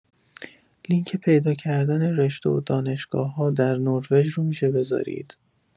لینک پیدا کردن رشته و دانشگاه‌‌ها در نروژ رو می‌شه بذارید؟